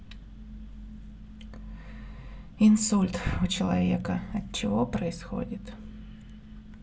инсульт у человека от чего происходит